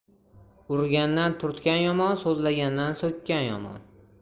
urgandan turtgan yomon so'zlagandan so'kkan yomon